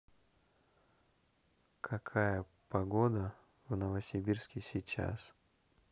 какая погода в новосибирске сейчас